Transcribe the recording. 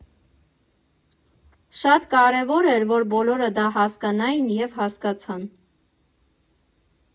Շատ կարևոր էր, որ բոլորը դա հասկանային, և հասկացան։